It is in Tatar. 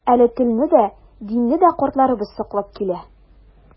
Әле телне дә, динне дә картларыбыз саклап килә.